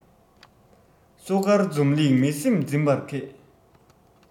སོ དཀར འཛུམ ལེགས མི སེམས འཛིན པར མཁས